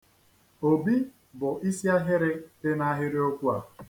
Obi bụ isiahịrị dị n'ahịrịokwu a.